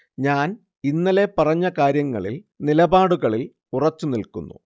ഞാൻ ഇന്നലെ പറഞ്ഞ കാര്യങ്ങളിൽ, നിലപാടുകളിൽ ഉറച്ചു നില്കുന്നു